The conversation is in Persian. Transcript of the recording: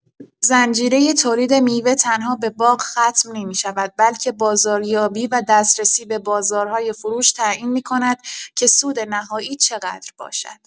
زنجیره تولید میوه تنها به باغ ختم نمی‌شود بلکه بازاریابی و دسترسی به بازارهای فروش تعیین می‌کند که سود نهایی چقدر باشد.